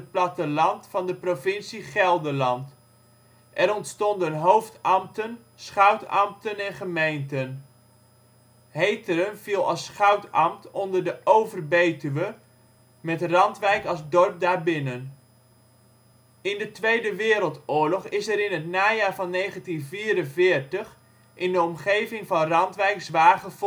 platteland van de Provincie Gelderland. Er ontstonden hoofdambten, schoutambten en gemeenten. Heteren viel als schoutambt onder de Over-Betuwe met Randwijk als dorp daarbinnen. In de Tweede Wereldoorlog is er in het najaar van 1944 in de omgeving van Randwijk zwaar